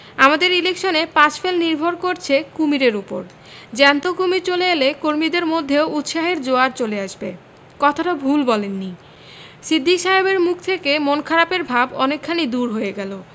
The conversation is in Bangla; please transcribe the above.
আমাদের ইলেকশনে পাশ ফেল নির্ভর করছে কুমীরের উপর জ্যান্ত কুমীর চলে এলে কর্মীদের মধ্যেও উৎসাহের জোয়ার চলে আসবে কথাটা ভুল বলেননি সিদ্দিক সাহেবের মুখ থেকে মন খারাপের ভাব অনেকখানি দূর হয়ে গেল